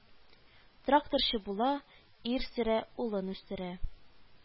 Тракторчы була, ир сөрә, улын үстерә